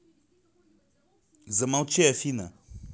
замолчи афина